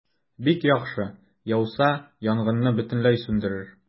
Бик яхшы, яуса, янгынны бөтенләй сүндерер.